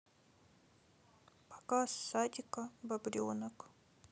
показ садика бобренок